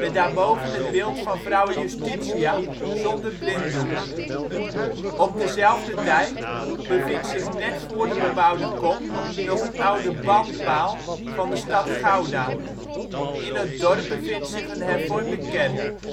daarboven het beeld van Vrouwe Justitia (zonder blinddoek). Op dezelfde dijk bevindt zich net voor de bebouwde kom nog een oude banpaal van de stad Gouda. In het dorp bevindt zich een Hervormde kerk